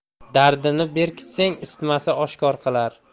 dardni berkitsang isitmasi oshkor qilar